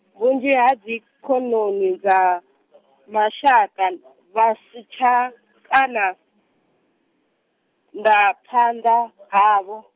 vhunzhi ha dzi khonani dza , mashaka vha si tsha, ka na, nda phanḓa havho.